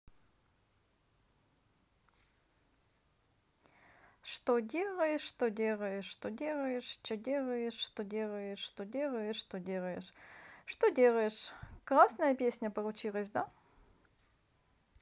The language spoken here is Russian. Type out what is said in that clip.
что делаешь что делаешь что делаешь че делаешь то делаешь что делаешь что делаешь что делаешь классная песня получилась да